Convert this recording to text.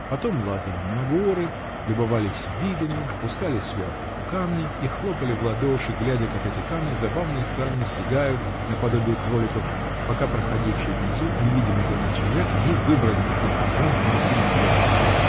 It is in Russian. потом лазали на горы, любовались видами, пускали сверху камни и хлопали в ладоши, глядя, как эти камни забавно и странно сигают, наподобие кроликов, пока проходивший внизу, невидимый для них, человек не выбранил их звонким и сильным голосом